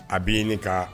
A b' ka